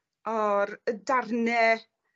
o'r, y darne